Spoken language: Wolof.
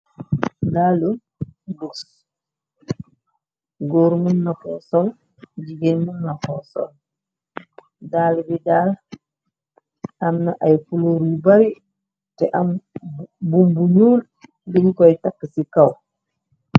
Daalu buds goor muna ko sol jigeen muna ko sol daala bi daal amna ay color yu bari tex ap bum bu nuul bung koi taka si kaw.